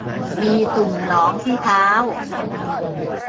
มีตุ่มหนองที่เท้า